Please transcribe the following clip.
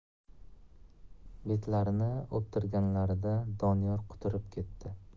betlarini o'ptirganlarida doniyor qutirib ketdi